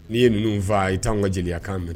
Ni ye ninnu faa i tanw ka jeliya kan mɛn.